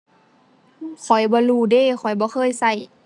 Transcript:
ข้อยบ่รู้เดะ ข้อยบ่เคยใช้